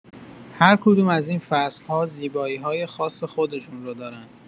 هر کدوم از این فصل‌ها زیبایی‌های خاص خودشون رو دارن.